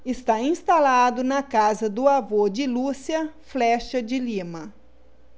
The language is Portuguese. está instalado na casa do avô de lúcia flexa de lima